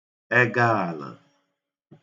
ẹgaàlə̀